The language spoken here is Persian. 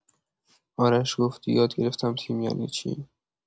آرش گفت یاد گرفتم تیم یعنی چی.